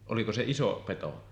oliko se iso peto